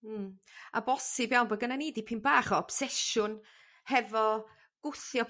Hm a bosib iawn bo' gynnen ni dipyn bach o obsesiwn hefo gwthio